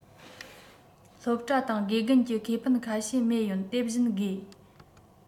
སློབ གྲྭ དང དགེ རྒན གྱི ཁེ ཕན ཁ ཤས རྨས ཡོང དེ བཞིན དགོས